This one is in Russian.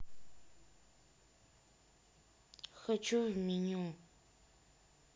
хочу в меню